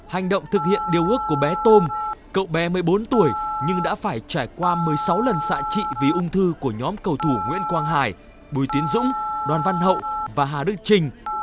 hành động thực hiện điều ước của bé tôm cậu bé mới bốn tuổi nhưng đã phải trải qua mười sáu lần xạ trị vì ung thư của nhóm cầu thủ nguyễn quang hải bùi tiến dũng đoàn văn hậu và hà đức chinh